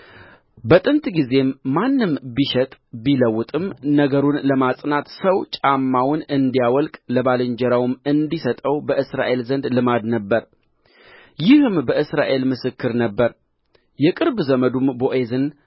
በጥንት ጊዜም ማንም ቢሸጥ ቢለውጥም ነገሩን ለማጽናት ሰው ጫማውን እንዲያወልቅ ለባልንጀራውም እንዲሰጠው በእስራኤል ዘንድ ልማድ ነበረ ይህም በእስራኤል ምስክር ነበረ የቅርብ ዘመዱም ቦዔዝን